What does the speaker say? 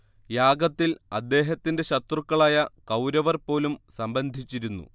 യാഗത്തിൽ അദ്ദേഹത്തിന്റെ ശത്രുക്കളായ കൌരവർ പോലും സംബന്ധിച്ചിരുന്നു